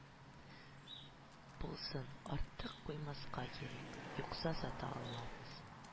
Булсын, артык куймаска кирәк, юкса сата алмабыз